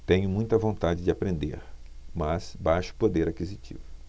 tenho muita vontade de aprender mas baixo poder aquisitivo